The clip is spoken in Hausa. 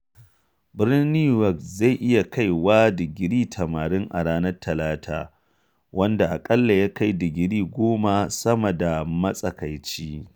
Birnin New York zai iya kai wa digiri 80 a ranar Talata, wanda aƙalla ya kai digiri 10 sama da matsakaici.